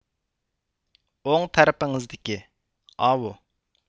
ئوڭ تەرەپىڭىزدىكى ئاۋۇ